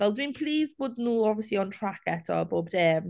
Fel, dwi'n pleased bod nhw, obviously, on track eto a bob dim...